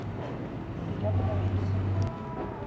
я подожду